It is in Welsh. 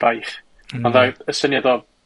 baich. Hmm. A mae y syniad o...